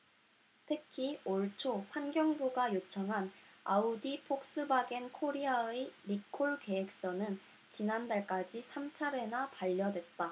특히 올초 환경부가 요청한 아우디폭스바겐코리아의 리콜 계획서는 지난달까지 삼 차례나 반려됐다